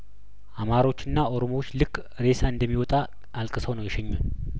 አማሮችና ኦሮሞዎች ልክ እሬሳ እንደሚወጣ አልቅሰው ነው የሸኙን